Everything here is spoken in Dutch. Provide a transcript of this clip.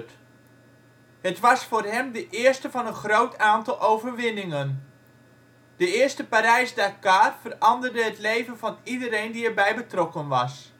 500. Het was voor hem de eerste van een groot aantal overwinningen. Deze eerste Parijs-Dakar veranderde het leven van iedereen die erbij betrokken was